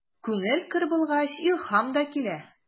Күңел көр булгач, илһам да килә.